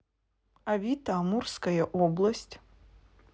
авито амурская область